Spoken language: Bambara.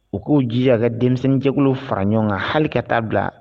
U k'o jija ka denmisɛnninjɛ fara ɲɔgɔn kan hali ka t taaa bila